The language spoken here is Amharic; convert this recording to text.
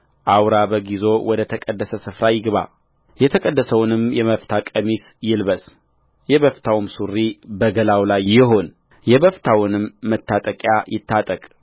አውራ በግ ይዞ ወደ ተቀደሰ ስፍራ ይግባየተቀደሰውን የበፍታ ቀሚስ ይልበስ የበፍታውም ሱሪ በገላው ላይ ይሁን የበፍታውንም መታጠቂያ ይታጠቅ